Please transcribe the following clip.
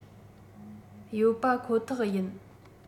ཡོད པ ཁོ ཐག ཡིན